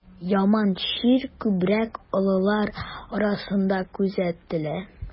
Яман чир күбрәк олылар арасында күзәтелә.